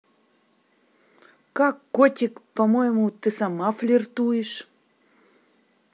как котик по моему ты сама флиртуешь